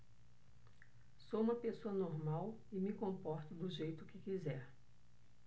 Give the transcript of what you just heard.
sou homossexual e me comporto do jeito que quiser